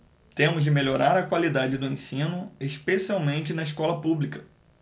temos de melhorar a qualidade do ensino especialmente na escola pública